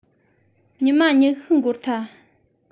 ཉི མ ཉི ཤུ འགོར ཐལ